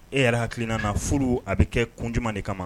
E yɛrɛ hakiliki nana furu a bɛ kɛ kun jumɛn de kama